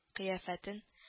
Кыяфәтен